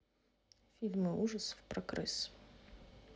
фильм ужасы про крыс